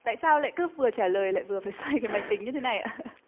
tại sao lại cứ vừa trả lời lại vừa phải xoay cái máy tính như thế này ạ